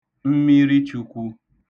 mmirichūkwū